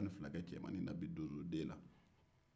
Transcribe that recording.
k'i bɛ tan ni fila kɛ cɛmannin na bi